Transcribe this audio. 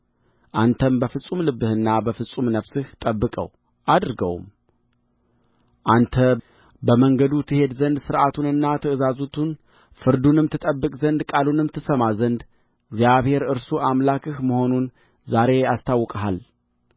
አንተም በፍጹም ልብህና በፍጹም ነፍስህ ጠብቀው አድርገውም አንተ በመንገዱ ትሄድ ዘንድ ሥርዓቱንና ትእዛዙን ፍርዱንም ትጠብቅ ዘንድ ቃሉንም ትሰማ ዘንድ እግዚአብሔር እርሱ አምላክህ መሆኑን ዛሬ አስታውቀሃል